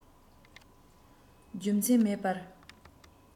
རྒྱུ མཚན མེད པར